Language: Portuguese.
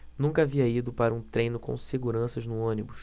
nunca havia ido para um treino com seguranças no ônibus